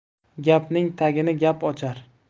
gapning tagini gap ochar